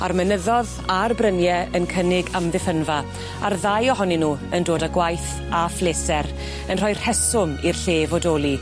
a'r mynyddo'dd a'r brynie yn cynnig amddiffynfa a'r ddau ohonyn nw yn dod â gwaith a phleser yn rhoi rheswm i'r lle fodoli.